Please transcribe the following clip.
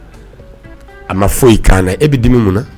A ma foyi i kaana na e bɛ dimi mun